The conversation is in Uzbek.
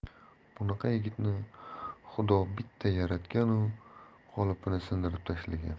bunaqa yigitni xudo bitta yaratganu qolipini sindirib tashlagan